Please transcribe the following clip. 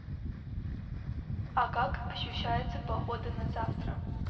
а как ощущается погода на завтра